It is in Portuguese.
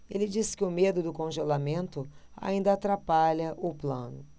ele disse que o medo do congelamento ainda atrapalha o plano